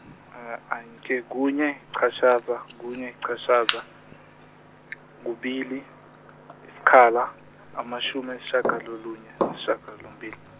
kunye ichashaza, kunye ichashaza, kubili, isikhala, amashumi ayishagalolunye nesishiyagalombili.